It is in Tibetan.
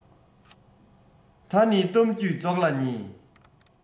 ད ནི གཏམ རྒྱུད རྫོགས ལ ཉེ